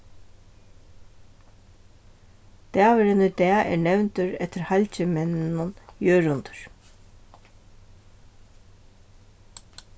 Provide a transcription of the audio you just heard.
dagurin í dag er nevndur eftir halgimenninum jørundur